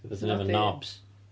'Dio rywbeth i wneud hefo knobs?